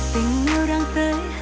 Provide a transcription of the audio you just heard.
tình yêu